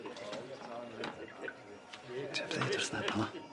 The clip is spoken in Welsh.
Ti'm deud wrth neb yy na?